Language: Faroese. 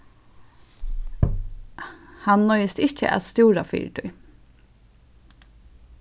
hann noyðist ikki at stúra fyri tí